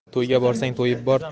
to'yga borsang to'yib bor